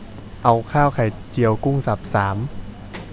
เอาข้าวไข่เจียวกุ้งสับสาม